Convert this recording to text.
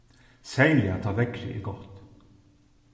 serliga tá veðrið er gott